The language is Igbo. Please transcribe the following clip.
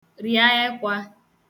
rịa ekwā